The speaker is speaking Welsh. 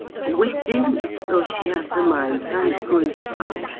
A wedyn ddoes i at y maen tramgwydd mawr.